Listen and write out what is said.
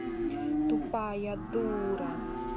тупая дура